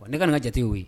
Wa ne kana ka jatew ye